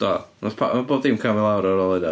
Do wnaeth pa- oedd pob dim calmio lawr ar ôl hynna.